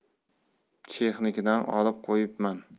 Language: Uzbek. chexnikidan olib qo'yibman